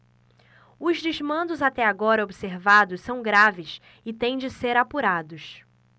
os desmandos até agora observados são graves e têm de ser apurados